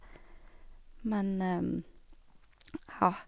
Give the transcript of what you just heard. Men ja.